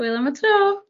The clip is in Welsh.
Hwyl am y tro.